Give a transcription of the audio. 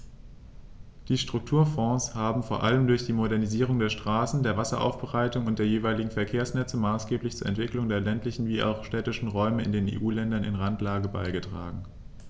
Die Strukturfonds haben vor allem durch die Modernisierung der Straßen, der Wasseraufbereitung und der jeweiligen Verkehrsnetze maßgeblich zur Entwicklung der ländlichen wie auch städtischen Räume in den EU-Ländern in Randlage beigetragen.